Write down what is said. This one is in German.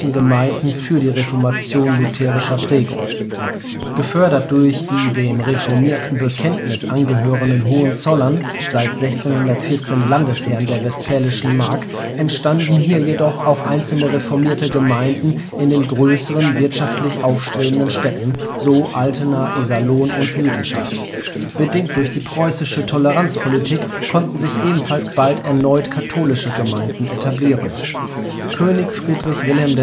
Kirchengemeinden für die Reformation lutherischer Prägung. Gefördert durch die dem reformierten Bekenntnis angehörenden Hohenzollern, seit 1614 Landesherren der westfälischen Mark, entstanden hier jedoch auch einzelne reformierte Gemeinden in den größeren, wirtschaftlich aufstrebenden Städten, so Altena, Iserlohn und Lüdenscheid. Bedingt durch die preußische Toleranzpolitik konnten sich ebenfalls bald erneut katholische Gemeinden etablieren. König Friedrich Wilhelm